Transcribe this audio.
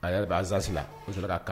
A yɛrɛ bɛ azali n